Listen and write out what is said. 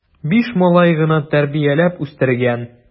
Биш малай гына тәрбияләп үстергән!